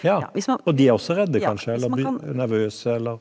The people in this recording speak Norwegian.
ja og de er også redde kanskje eller blir nervøse eller.